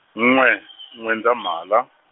n'we , N'wendzamhala.